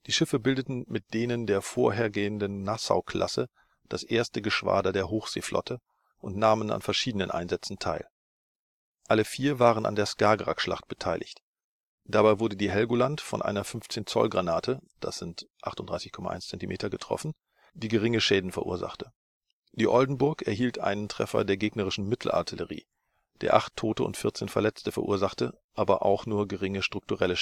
Schiffe bildeten mit denen der vorhergehenden Nassau-Klasse das I. Geschwader der Hochseeflotte und nahmen an verschiedenen Einsätzen teil. Alle vier waren an der Skagerrakschlacht beteiligt. Dabei wurde die Helgoland von einer 15-Zoll-Granate (38,1 cm) getroffen, die geringe Schäden verursachte. Die Oldenburg erhielt einen Treffer der Mittelartillerie, der acht Tote und 14 Verletzte verursachte, aber auch nur geringe strukturelle